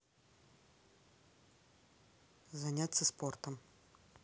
заняться спортом